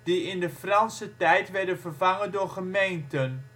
in de Franse tijd werden vervangen door [gemeenten